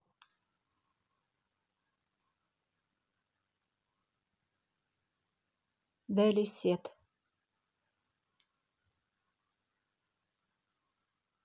dali сет